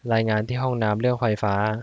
รายงานที่ห้องน้ำเรื่องไฟฟ้า